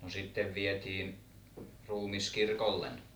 no sitten vietiin ruumis kirkolle